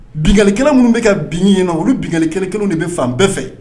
Binkalikɛla minnu bɛ ka binni kɛ ye olu binlkankɛla kelen kelen de bɛ fan bɛɛ fɛ